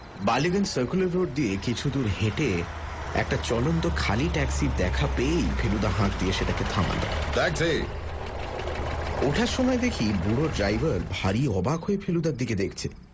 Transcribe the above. Ballygunge circular road দিয়ে কিছুদূর হেঁটে একটা চলন্ত খালি ট্যাক্সির দেখা পেয়েই ফেলুদা হাঁক দিয়ে সেটাকে থামাল ওঠার সময় দেখি বুড়ো ড্রাইভার ভারী অবাক হয়ে ফেলুদার দিকে দেখছে